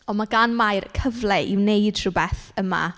Ond ma' gan Mair cyfle i wneud rhywbeth yma.